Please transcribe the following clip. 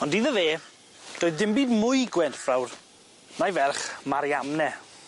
Ond iddo fe doedd dim byd mwy gwerthfawr na'i ferch Marianne.